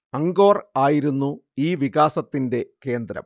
Angkor ആയിരുന്നു ഈ വികാസത്തിന്റെ കേന്ദ്രം